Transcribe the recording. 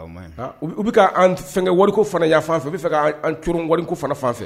U bɛ fɛnwaleko fana yan fɛ bɛ fɛan cɔniko fana fan fɛ